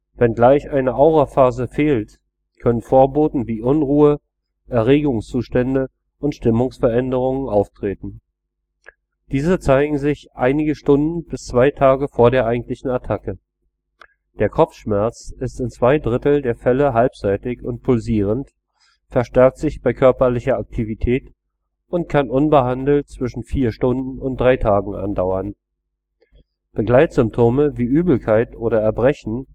Wenngleich eine Auraphase fehlt, können Vorboten wie Unruhe, Erregungszustände und Stimmungsveränderungen auftreten. Diese zeigen sich einige Stunden bis zwei Tage vor der eigentlichen Attacke. Der Kopfschmerz ist in 2/3 der Fälle halbseitig und pulsierend, verstärkt sich bei körperlicher Aktivität und kann unbehandelt zwischen 4 Stunden und 3 Tagen andauern. Begleitsymptome wie Übelkeit oder Erbrechen